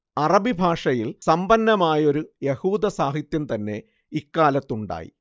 അറബി ഭാഷയിൽ സമ്പന്നമായൊരു യഹൂദസാഹിത്യം തന്നെ ഇക്കാലത്തുണ്ടായി